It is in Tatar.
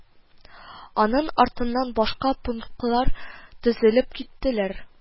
Аның артыннан башка пунктлар тезелеп киттеләр